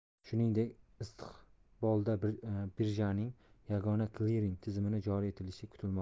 shuningdek istiqbolda birjaning yagona kliring tizimini joriy etilishi kutilmoqda